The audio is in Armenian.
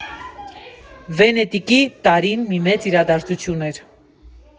«Վենետիկի տարին մի մեծ իրադարձություն էր.